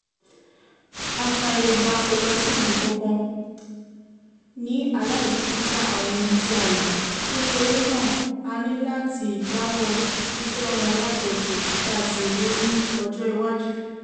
"Àìfàyègbà kò lọ sí ibì kankan, ní aláìbìkítà àwọn ohun tí a lo, nítorí náà a ní láti dáwọ́ fífẹ́ wọn láfẹ̀ẹ́ jù kí á sí ronú ọjọ́ iwájú".